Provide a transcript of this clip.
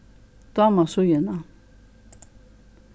dáma síðuna